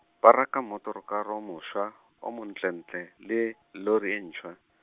ba reka mmotorokara o mošwa, o montlentle, le, lori e ntšhwa.